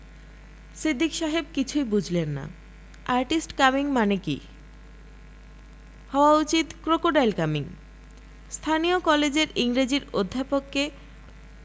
সিদ্দিক সাহেব কিছুই বুঝলেন না আর্টিস্ট কামিং মানে কি হওয়া উচিত ক্রোকোডাইল কামিং. স্থানীয় কলেজের ইংরেজীর অধ্যাপককে